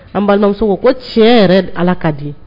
An balimamuso ko ko tiɲɛ yɛrɛ ala ka di